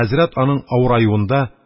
Хәзрәт, аның авыраюында,